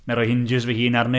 Wna i roi hinges fy hun arni.